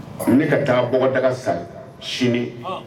Ne ka taa bagada sa sini